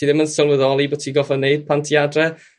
ti ddim yn sylweddoli bo' ti'n gorfod neud pan ti adre